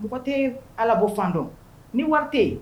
Npogo tɛ alabɔ fan dɔn ni wari tɛ yen